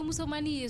Mumani ye